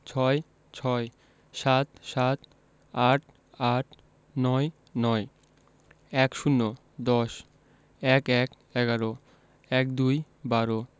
৬ ছয় ৭ সাত ৮ আট ৯ নয় ১০ দশ ১১ এগারো ১২ বারো